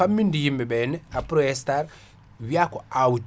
famminde yimɓeɓe henna Aprostar wiya ko awdi